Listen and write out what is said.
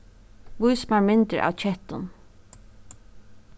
vís mær myndir av kettum